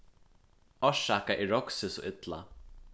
orsaka eg roksi so illa